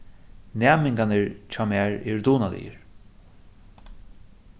næmingarnir hjá mær eru dugnaligir